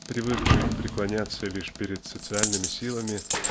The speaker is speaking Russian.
привыкших преклоняться лишь перед социальными силами